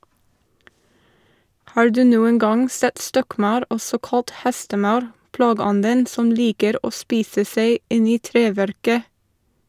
Har du noen gang sett stokkmaur, også kalt hestemaur, plageånden som liker å spise seg inn i treverket?